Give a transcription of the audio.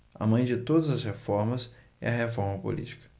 a mãe de todas as reformas é a reforma política